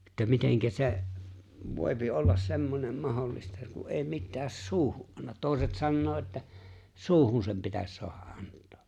että miten se voi olla semmoinen mahdollista kun ei mitään suuhun anna toiset sanoo että suuhun sen pitäisi saada antaa